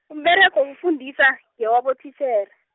umberego wokufundisa , ngewabotitjhere.